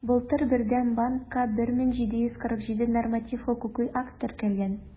Былтыр Бердәм банкка 1747 норматив хокукый акт кертелгән.